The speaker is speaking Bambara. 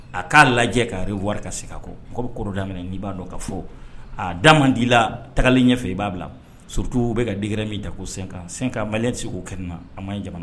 A k'a lajɛ k'are wari ka se ka kɔ mɔgɔ bɛ kɔrɔda minɛ n'i b'a dɔn ka fɔ a' d' i la tagalen ɲɛfɛ i b'a bila surutuw bɛ ka digiɛrɛ min da ko sen kan senka mali sigi'o kɛ na an ma ye jamana